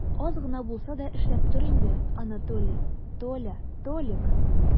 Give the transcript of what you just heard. Аз гына булса да эшләп тор инде, Анатолий, Толя, Толик!